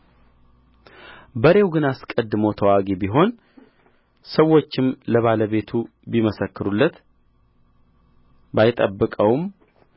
በሬው ግን አስቀድሞ ተዋጊ ቢሆን ሰዎችም ለባለቤቱ ቢመሰክሩለት ባይጠብቀውም